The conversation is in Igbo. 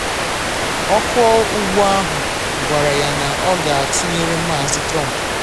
Ọkwọ ụgbọ ahụ gwara ya na ọ ga-atụnyere Maazị Trump.